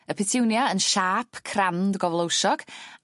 Y petunia yn siâp crand goflowsiog